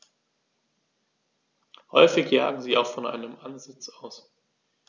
Häufig jagen sie auch von einem Ansitz aus.